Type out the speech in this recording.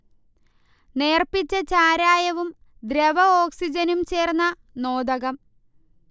നേർപ്പിച്ച ചാരായവും ദ്രവ ഓക്സിജനും ചേർന്ന നോദകം